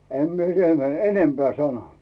en minä siitä - enempää sano